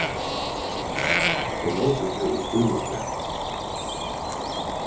tey lótu seg í svimjiklæði